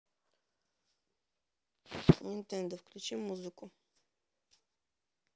нинтендо включи музыку